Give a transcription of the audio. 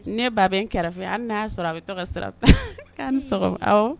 Ne ba bɛ in kɛrɛfɛ hali n'a sɔrɔ a bɛ to ka sira bila, k'a ni sɔgɔma